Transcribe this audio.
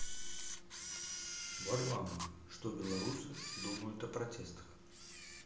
варламов что белорусы думают о протестах